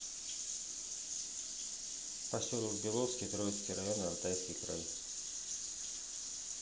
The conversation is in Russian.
поселок беловский троицкий район алтайский край